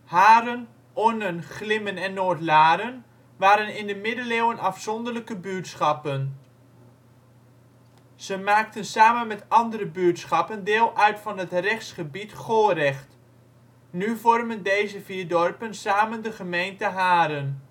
Haren, Onnen, Glimmen en Noordlaren waren in de middeleeuwen afzonderlijke buurtschappen. Ze maakten samen met andere buurtschappen deel uit van het rechtsgebied Gorecht. Nu vormen deze vier dorpen samen de gemeente Haren